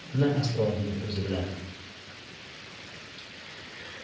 na srorning o'zi biladi